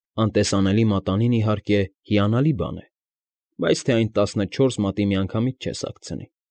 Անտեսանելի մատանին, իհարկե, հիանալի բան է, բայց թե այն տասնչորս մատի միանգամից չես հագցնի։